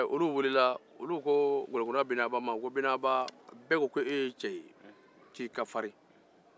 olu ko ŋolokunna binaba ma ko bɛɛ ko e ye cɛ ye k'i ka farin